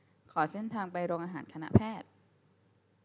ขอเส้นทางไปโรงอาหารคณะแพทย์